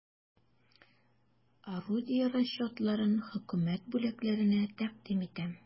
Орудие расчетларын хөкүмәт бүләкләренә тәкъдим итәм.